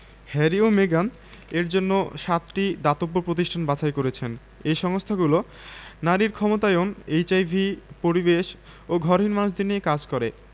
Harry ও মেগান এ জন্য সাতটি দাতব্য প্রতিষ্ঠান বাছাই করেছেন এই সংস্থাগুলো নারীর ক্ষমতায়ন এইচআইভি পরিবেশ ও ঘরহীন মানুষদের নিয়ে কাজ করে